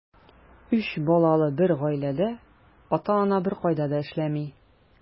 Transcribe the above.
Өч балалы бер гаиләдә ата-ана беркайда да эшләми.